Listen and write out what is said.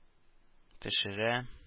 Пешерә